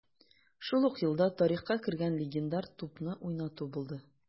Шул ук елда тарихка кергән легендар тупны уйнату булды: